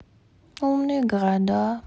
умные города